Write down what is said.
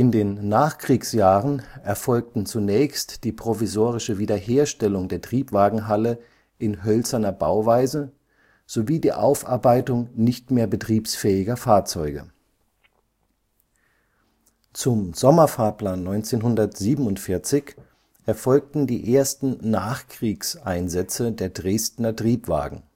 den Nachkriegsjahren erfolgten zunächst die provisorische Wiederherstellung der Triebwagenhalle in hölzerner Bauweise sowie die Aufarbeitung nicht mehr betriebsfähiger Fahrzeuge. Zum Sommerfahrplan 1947 erfolgten die ersten Nachkriegseinsätze der Dresdner Triebwagen